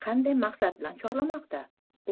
qanday maqsad bilan chorlamoqda